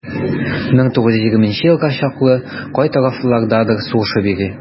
1920 елга чаклы кай тарафлардадыр сугышып йөри.